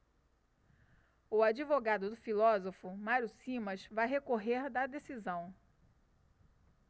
o advogado do filósofo mário simas vai recorrer da decisão